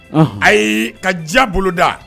Unhun ayii ka diya boloda